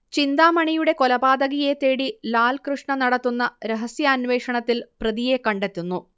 ചിന്താമണിയുടെ കൊലപാതകിയെത്തേടി ലാൽകൃഷ്ണ നടത്തുന്ന രഹസ്യാന്വേഷണത്തിൽ പ്രതിയെ കണ്ടെത്തുന്നു